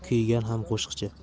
kuygan ham qo'shiqchi